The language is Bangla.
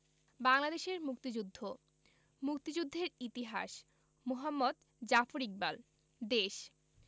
বাংলাদেশের মুক্তিযুদ্ধ মুক্তিযুদ্ধের ইতিহাস মুহম্মদ জাফর ইকবাল দেশ